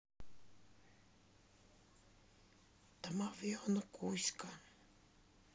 домовенок кузька